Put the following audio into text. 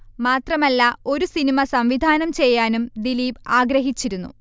മാത്രമല്ല ഒരു സിനിമ സംവിധാനം ചെയ്യാനും ദിലീപ് ആഗ്രഹിച്ചിരുന്നു